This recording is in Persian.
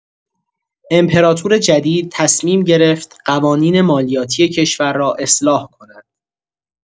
امپراطور جدید تصمیم گرفت قوانین مالیاتی کشور را اصلاح کند.